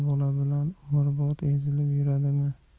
bilan umrbod ezilib yuradimi